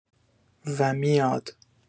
و میاد